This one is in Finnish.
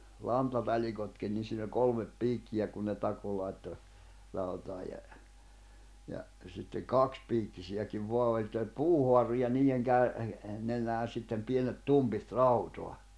lantatalikotkin niin siinä oli kolme piikkiä kun ne takoi laittoi rautaa ja ja sitten kaksipiikkisiäkin vain oli että oli puuhaaru ja niiden - nenään sitten pienet tumpit rautaa